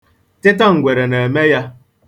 Tịtangwere na-eme ya.